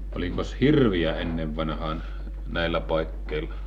olikos hirviä ennen vanhaan näillä paikkeilla